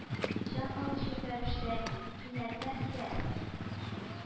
Җан алучы фәрештә мин! — Кинәт нәрсә?